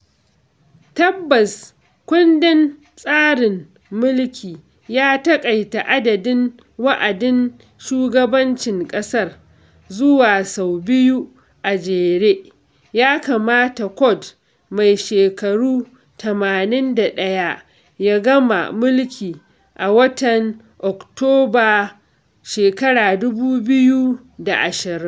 Tabbas kundin tsarin mulki ya taƙaita adadin wa’adin shugabancin ƙasar zuwa sau biyu a jere. Ya kamata Code, mai shekaru 81, ya gama mulki a watan Oktoba 2020